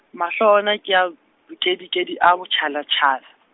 mahlo ona ke a mokedikedi a botjhalatjhala.